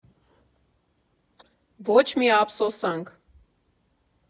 Ոչ մի ափսոսանք։